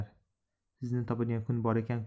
sizni topadigan kun borekan ku